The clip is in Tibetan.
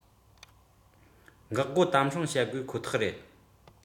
དོ སྣང བྱེད བཞིན ཡོད ཁོ ཐག རེད